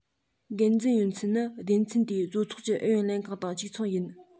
འགན འཛིན ཡུན ཚད ནི སྡེ ཚན དེའི བཟོ ཚོགས ཀྱི ཨུ ཡོན ལྷན ཁང དང གཅིག མཚུངས ཡིན